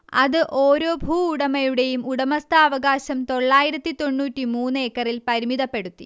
അത് ഓരോ ഭൂവുടമയുടെയും ഉടമസ്ഥാവകാശം തൊള്ളായിരത്തി തൊണ്ണൂറ്റി മൂന്ന് ഏക്കറിൽ പരിമിതപ്പെടുത്തി